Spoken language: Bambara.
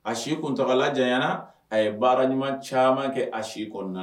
A si kun tɔgɔla janyara a ye baara ɲuman caman kɛ a si kɔnɔna